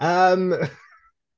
Yym.